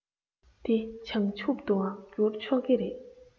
དེ བྱང ཆུབ ཏུའང བསྒྱུར ཆོག གི རེད